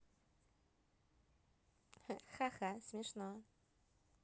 хаха смешно